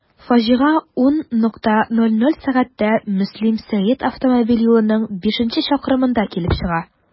Фаҗига 10.00 сәгатьтә Мөслим–Сәет автомобиль юлының бишенче чакрымында килеп чыга.